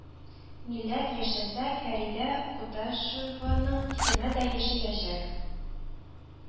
Милләт яшәсә, Фәридә Кудашеваның исеме дә яшәячәк